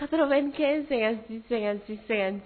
95 56 56 50